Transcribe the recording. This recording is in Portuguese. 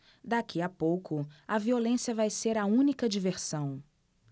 daqui a pouco a violência vai ser a única diversão